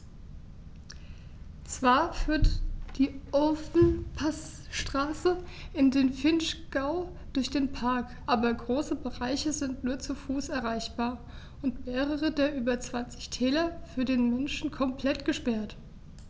Zwar führt die Ofenpassstraße in den Vinschgau durch den Park, aber große Bereiche sind nur zu Fuß erreichbar und mehrere der über 20 Täler für den Menschen komplett gesperrt.